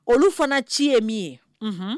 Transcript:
Olu fana ci ye min ye